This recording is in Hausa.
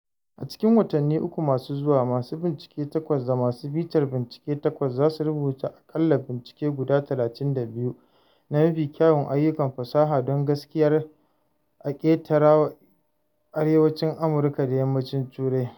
A cikin watanni uku masu zuwa, masu bincike takwas da masu bitar bincike takwas za su rubuta aƙalla bincike guda 32 na mafi kyawun ayyukan fasaha don gaskiya a ƙetaren Arewacin Amurka da Yammacin Turai.